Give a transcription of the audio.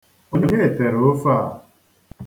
Onye tere ofe a?